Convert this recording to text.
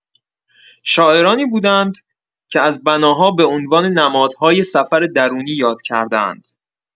شاعرانی بوده‌اند که از بناها به‌عنوان نمادهای سفر درونی یاد کرده‌اند.